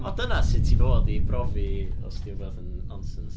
o dyna sut ti fod i brofi os 'di wbeth yn nonsense